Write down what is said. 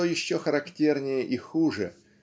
что еще характернее и хуже